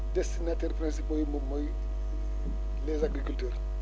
destinataires principaux yi moom mooy les agriculteurs